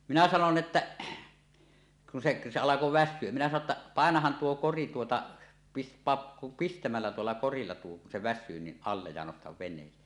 minä sanoin että kun se se alkoi väsyä minä sanoin että paina tuo kori tuota - pane pistämällä tuolla korilla tuo kun se väsyy niin alle ja nosta veneeseen